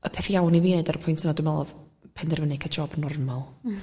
y peth iawn i fi neud ar y pwynt yna dwi me'l o'dd penderfynu ca'l job normal